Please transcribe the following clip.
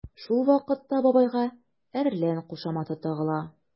Шул вакытта бабайга “әрлән” кушаматы тагыла.